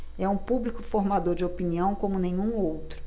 é um público formador de opinião como nenhum outro